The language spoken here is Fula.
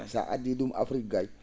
so a addii ?um Afrique gay